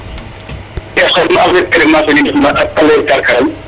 ne'eena karkaral